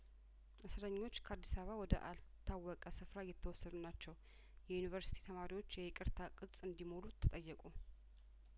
እስረኞች ከአዲስ አባ ወደ አልታወቀ ስፍራ እየተወሰዱ ናቸው የዩኒቨርስቲ ተማሪዎች የይቅርታ ቅጽ እንዲሞሉ ተጠየቁ